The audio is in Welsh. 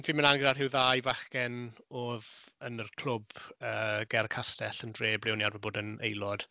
Fi'n mynd lan gyda'r rhyw ddau fachgen oedd yn yr clwb yy ger y castell yn dre, ble ro'n i arfer bod yn aelod.